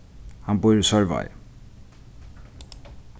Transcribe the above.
hann býr í sørvági